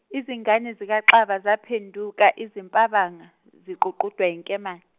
izingane zikaXaba zaphenduka izimpabanga, ziququdwa yinkemane.